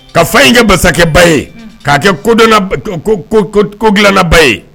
Ka fa in kɛ masakɛba ye k'a kɛ kodo ko dilannaba ye